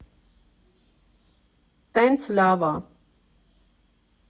Տենց լավ ա…